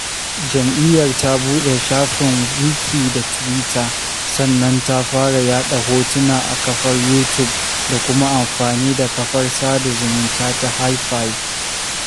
Jami'iyyar ta buɗe shafin Wiki da tiwita, sannan ta fara yaɗa hotuna a kafar Youtube da kuma amfani da kafar sada zamunta ta Hi-5.